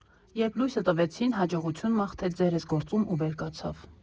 Երբ լույսը տվեցին, հաջողություն մաղթեց «ձեր էս գործում» ու վեր կացավ։